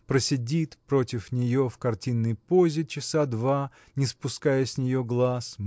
просидит против нее в картинной позе часа два не спуская с нее глаз